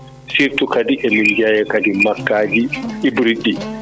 surtout kadi emin jeeya makkaji hybride ɗi